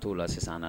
T'o la sisan na